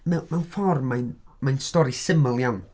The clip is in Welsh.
Mew- mewn ffordd mae'n mae'n stori syml iawn.